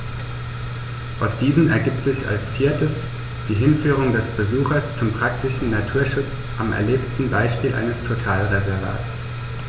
Aus diesen ergibt sich als viertes die Hinführung des Besuchers zum praktischen Naturschutz am erlebten Beispiel eines Totalreservats.